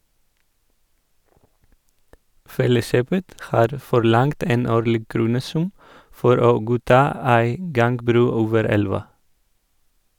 Felleskjøpet har forlangt en årlig kronesum for å godta ei gangbru over elva.